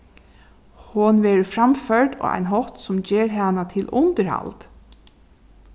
hon verður framførd á ein hátt sum ger hana til undirhald